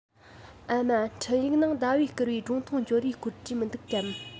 ཨ མ འཕྲིན ཡིག ནང ཟླ བས བསྐུར བའི སྒྲུང ཐུང འབྱོར བའི སྐོར བྲིས མི འདུག གམ